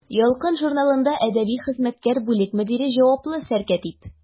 «ялкын» журналында әдәби хезмәткәр, бүлек мөдире, җаваплы сәркәтиб.